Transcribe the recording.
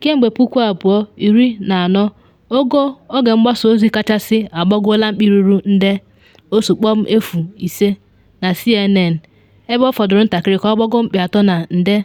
Kemgbe 2014, ogo oge-mgbasa ozi kachasị agbagoola mkpị ruru nde 1.05 na CNN ebe ọ fọdụrụ ntakịrị ka ọ gbagoo mkpị atọ na nde